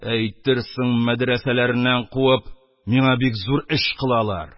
— әйтерсең, мәдрәсәләреннән куып, миңа бик зур эш кылалар...